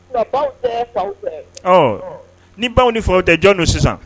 Ni bawanw ni fa tɛ jɔn don sisan